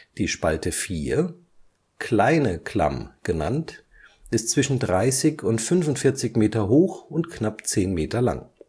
Die Spalte 4, Kleine Klamm genannt, ist zwischen 30 und 45 Meter hoch und knapp 10 Meter lang